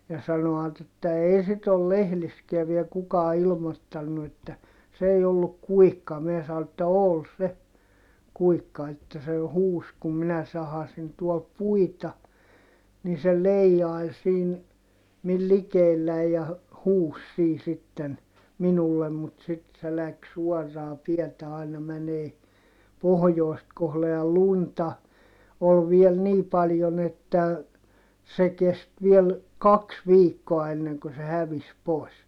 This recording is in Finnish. ja sanoivat että ei sitten ole lehdissäkään vielä kukaan ilmoittanut että se ei ollut kuikka minä sanoin että oli se kuikka että se jo huusi kun minä sahasin tuolla puita niin se leijaili siinä minun likelläni ja - huusi siinä sitten minulle mutta sitten se lähti suoraa tietä aina menemään pohjoista kohden ja lunta oli vielä niin paljon että se kesti vielä kaksi viikkoa ennen kuin se hävisi pois